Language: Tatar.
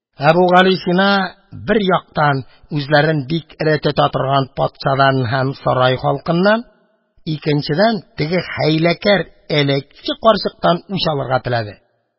Әбүгалисина, бер яктан, үзләрен бик эре тота торган патшадан һәм сарай халкыннан, икенчедән, теге хәйләкәр, әләкче карчыктан үч алырга теләде.